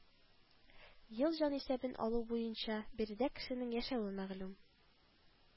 Ел җанисәбен алу буенча биредә кешенең яшәве мәгълүм